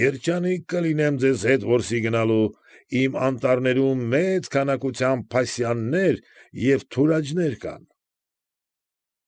Երջանիկ կլինեմ ձեզ հետ որսի գնալու։ Իմ անտառներում մեծ քանակությամբ փասյաններ և թուրաջներ կան։